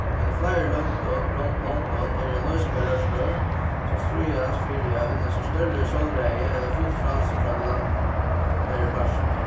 men í fleiri londum eru loysingarrørslur sum stríðast fyri at vinna sær størri sjálvræði ella fult frælsi frá tí landinum tær eru partur í